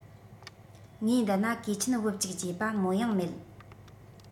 ངའི འདི ན གོས ཆེན བུབས གཅིག བཅས པ མའོ ཡང མེད